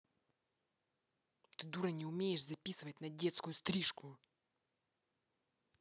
ты дура не умеешь записывать на детскую стрижку